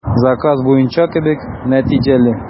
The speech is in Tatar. Заказ буенча кебек, нәтиҗәле.